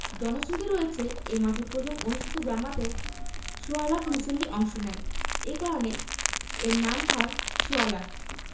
জনশ্রুতি রয়েছে এই মাঠে প্রথম অনুষ্ঠিত জামাতে সোয়া লাখ মুসল্লি অংশ নেন এ কারণে এর নাম হয় সোয়া লাখ